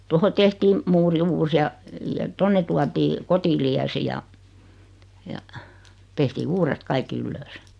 tuohon tehtiin muuri uusi ja ja tuonne tuotiin Kotiliesi ja ja tehtiin uudet kaikki ylös